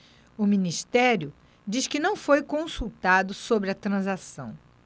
o ministério diz que não foi consultado sobre a transação